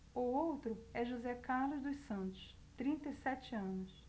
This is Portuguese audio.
o outro é josé carlos dos santos trinta e sete anos